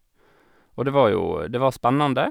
Og det var jo det var spennende.